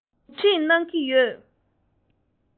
ཟུར ཁྲིད གནང གི ཡོད